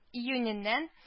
Июненнән